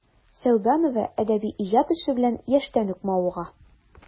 Сәүбанова әдәби иҗат эше белән яшьтән үк мавыга.